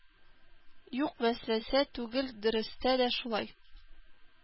Юк, вәсвәсә түгел, дөрестә дә шулай.